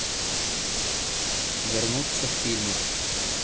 вернуться в фильмы